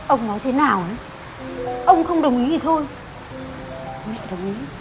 ông nói thế nào ấy ông không đồng ý thì thôi mẹ đồng ý